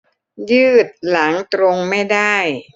ยืดหลังตรงไม่ได้